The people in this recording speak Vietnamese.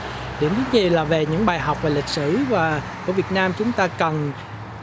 đến kỳ lạ về những bài học về lịch sử và ở việt nam chúng ta cần